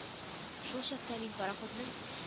Шул чакны мин пароходның